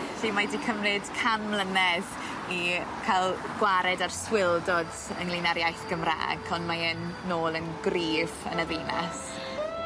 Felly mae 'di cymryd can mlynedd i ca'l gwared â'r swildod ynglŷn â'r iaith Gymra'g ond mae e'n nôl yn gryf yn y ddinas.